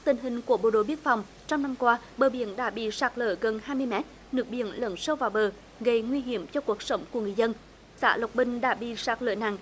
tình hình của bộ đội biên phòng trong năm qua bờ biển đã bị sạt lở gần hai mét nước biển lấn sâu vào bờ gây nguy hiểm cho cuộc sống của người dân dạ lộc bình đã bị sạt lở nặng